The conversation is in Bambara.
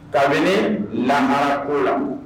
Kabini lahara ko la